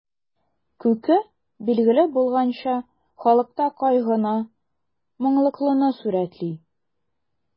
Күке, билгеле булганча, халыкта кайгыны, моңлылыкны сурәтли.